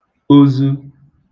ozu